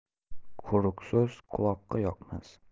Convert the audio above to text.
quruq so'z quloqqa yoqmas